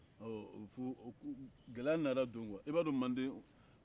ɔ gɛlɛya nana don quoi i b'a dɔn mande